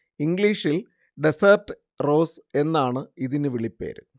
ഇംഗ്ലീഷിൽ 'desert rose' എന്നാണ് ഇതിനു വിളിപ്പേര്